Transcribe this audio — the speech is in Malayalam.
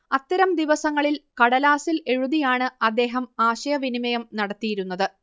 അത്തരം ദിവസങ്ങളിൽ കടലാസിൽ എഴുതിയാണ് അദ്ദേഹം ആശയവിനിമയം നടത്തിയിരുന്നത്